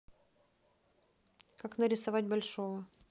как нарисовать большого